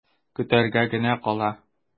Көтәргә генә кала.